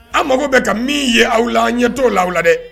An mago bɛ ka min ye aw la ɲɛ ttɔ la aw la dɛ